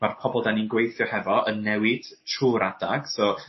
Ma'r pobol 'dan ni'n gweithio hefo yn newid trw'r adag so